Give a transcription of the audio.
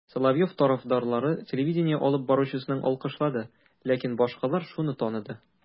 Соловьев тарафдарлары телевидение алып баручысын алкышлады, ләкин башкалар шуны таныды: